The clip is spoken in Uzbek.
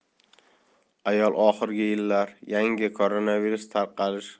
ayol oxirgi yillar yangi koronavirus tarqalish